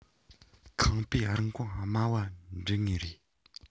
ཁང པའི རིན གོང དམའ བ འདྲུད ངེས རེད